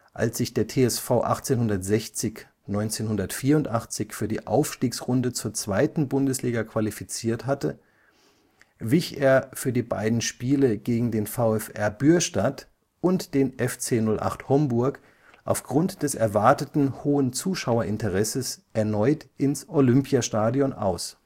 Als sich der TSV 1860 1984 für die Aufstiegsrunde zur 2. Bundesliga qualifiziert hatte, wich er für die beiden Spiele gegen den VfR Bürstadt und den FC 08 Homburg aufgrund des erwarteten hohen Zuschauerinteresses erneut ins Olympiastadion aus